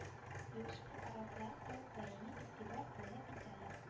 Юеш препаратлар да даими игътибар таләп итәләр